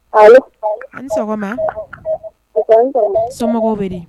Allo allo a' ni sɔgɔma nsee a' ni sɔgɔma sɔmɔgɔw be di